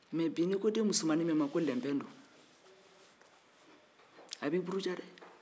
mɛ bi n'i ko den musomannin min ma ko lɛnpɛn don a b'i buruja dɛ